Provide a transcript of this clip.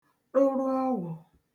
ṭụrụ ọgwụ̀